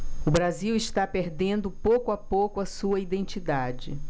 o brasil está perdendo pouco a pouco a sua identidade